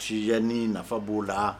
nafa b'o la